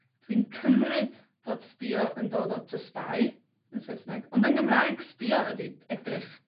dwi'n cymryd bod sbïo yn dod o to spy, yn Saesneg, ond yng Ngymraeg, sbïo ydi edrych.